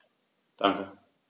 Danke.